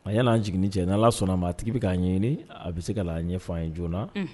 A y'' jigin jɛ n ala sɔnna a ma a tigi bɛ k'a ɲiniɲini a bɛ se kaa ɲɛfan ye joona na